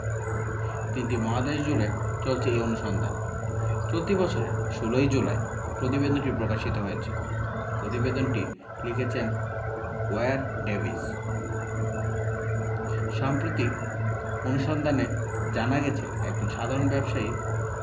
তিনটি মহাদেশজুড়ে চলেছে এই অনুসন্ধান চলতি বছরের ১৬ জুলাই প্রতিবেদনটি প্রকাশিত হয়েছে প্রতিবেদনটি লিখেছেন ওয়্যার ডেভিস সাম্প্রতিক অনুসন্ধানে জানা গেছে একজন সাধারণ ব্যবসায়ীর